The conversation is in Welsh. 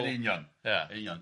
Yn union, ia, yn union.